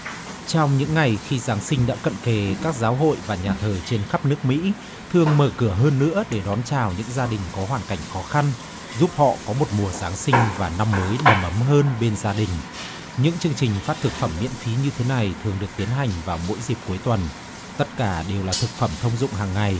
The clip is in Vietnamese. trong những ngày khi giáng sinh đã cận kề các giáo hội và nhà thờ trên khắp nước mỹ thường mở cửa hơn nữa để đón chào những gia đình có hoàn cảnh khó khăn giúp họ có một mùa giáng sinh và năm mới đầm ấm hơn bên gia đình những chương trình phát thực phẩm miễn phí như thế này thường được tiến hành vào mỗi dịp cuối tuần tất cả đều là thực phẩm thông dụng hằng ngày